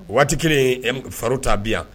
Waati kelen fa ta bi yan